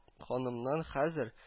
Ханымнар хәзер